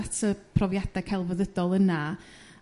at y profiada' celfyddydol yna